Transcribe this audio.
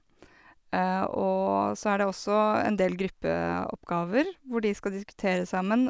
Og så er det også en del gruppeoppgaver hvor de skal diskutere sammen.